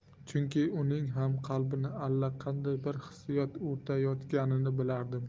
chunki uning ham qalbini allaqanday bir hissiyot o'rtayotganini bilardim